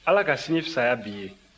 ala ka sini fisaya bi ye